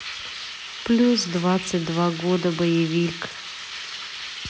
плюс двадцать два года боевик